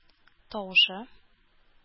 Тавышы